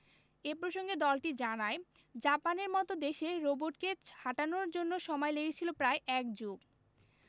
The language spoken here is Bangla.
এ প্রসঙ্গে দলটি জানায় জাপানের মতো দেশে রোবটকে ছাটানোর জন্য সময় লেগেছিল প্রায় এক যুগ